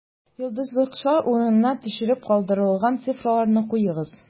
Йолдызчыклар урынына төшереп калдырылган цифрларны куегыз: